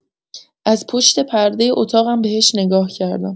از پشت پردۀ اتاقم بهش نگاه کردم.